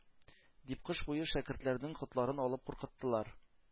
Дип кыш буе шәкертләрнең котларын алып куркыттылар.